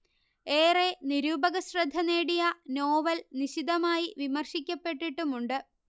ഏറെ നിരൂപകശ്രദ്ധ നേടിയ നോവൽ നിശിതമായി വിമർശിക്കപ്പെട്ടിട്ടുമുണ്ട്